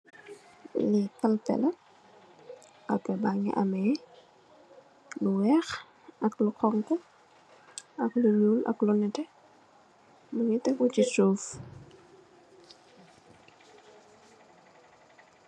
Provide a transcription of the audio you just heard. Li kalpe la ak ame lu am lu weex, lu xonxo, lu ñuul ak lu nete mungi tegu ci suuf.